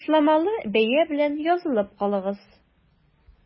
Ташламалы бәя белән язылып калыгыз!